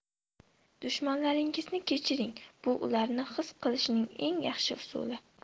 dushmanlaringizni kechiring bu ularni piss qilishning eng yaxshi usuli